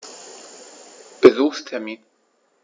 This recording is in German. Besuchstermin